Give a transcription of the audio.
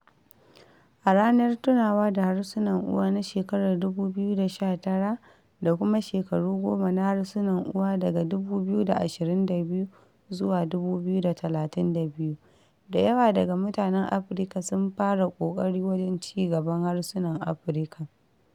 A ranar tunawa da harsunan uwa na shekarar 2019 da kuma shekaru goma na harsunan uwa daga 2022-2032, da yawa daga mutanen Afirka sun fara ƙoƙari wajen ci gaban harsunan Afirka.